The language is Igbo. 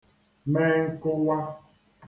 me nkụwa